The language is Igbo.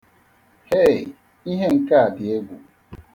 Hei, ihe nke a dị egwu.